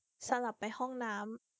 สลับไปห้องน้ำ